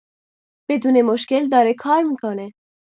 بدون مشکل داره کار می‌کنه